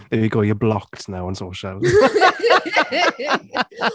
There you go, you’re blocked now, on socials